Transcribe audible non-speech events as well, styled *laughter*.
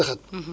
*hesitation* *hesitation*